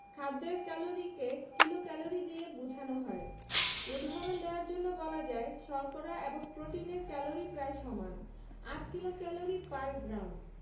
খাদ্যের ক্যালরিকে কিলোক্যালরি দিয়ে বোঝানো হয় উদাহরণ দেয়ার জন্যে বলা যায় শর্করা এবং প্রোটিনের ক্যালরি প্রায় সমান ৮ কিলোক্যালরি পার গ্রাম